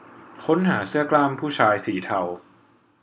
ค้นหาเสื้อกล้ามผู้ชายสีเทา